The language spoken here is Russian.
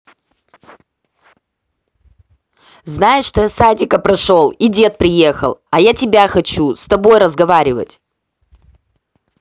знаешь что я садика прошел и дед приехал а я тебя хочу с тобой разговаривать